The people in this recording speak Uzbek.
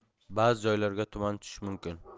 ba'zi joylarga tuman tushishi mumkin